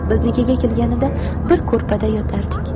biznikiga kelganida bir ko'rpada yotardik